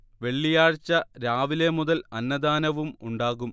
വെള്ളിയാഴ്ച രാവിലെ മുതൽ അന്നദാനവും ഉണ്ടാകും